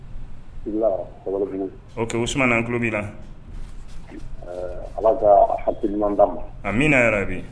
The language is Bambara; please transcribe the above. ok usuman an tulob'i la allah ka hakili ɲuman di an ma., amina rabbi